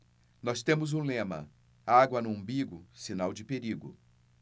nós temos um lema água no umbigo sinal de perigo